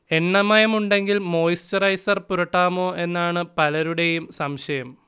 എണ്ണമയമുണ്ടെങ്കില്‍ moisturiser പുരട്ടാമോ എന്നാണു പലരുടെയും സംശയം